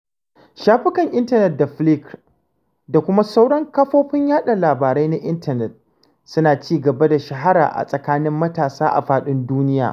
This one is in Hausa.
Shafukan intanet da Flickr da kuma sauran kafofin yaɗa labarai na intanet suna ci gaba da shahara a tsakanin matasa a faɗin duniya.